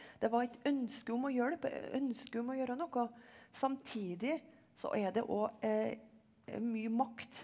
det var et ønske om å hjelpe ønske om å gjøre noe samtidig så er det òg mye makt.